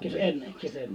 kiitos en kiitos en